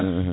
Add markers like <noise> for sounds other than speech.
<hesitation> <hesitation>